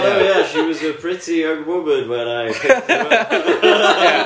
oh yeah she was a pretty young woman when I picked her up